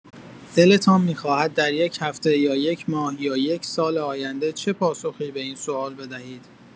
دلتان می‌خواهد دریک هفته یا یک ماه یا یک سال آینده چه پاسخی به این سوال بدهید؟